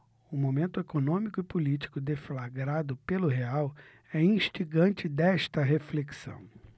o momento econômico e político deflagrado pelo real é instigante desta reflexão